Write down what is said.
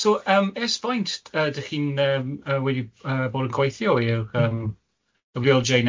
So yym ers faint yy dach chi'n yym yy wedi yy bod yn gwaithio i'r yym y double-you el jay naw te?